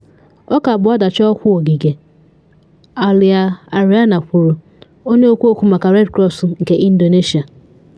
“Ọ ka bụ ọdachi ọkwa ogige,” Aulia Arriani kwuru, onye okwu okwu maka Red Cross nke Indonesia.